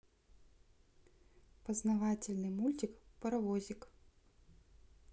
познавательный мультик паровозик